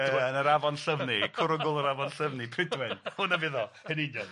Yy yn yr afon llyfni cwrygl yr afon llyfni Prydwen, hwnna fydd o, yn union.